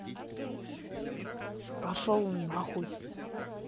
пашол нахуй